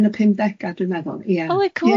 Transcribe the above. Yn y pumdega dwi'n meddwl ia.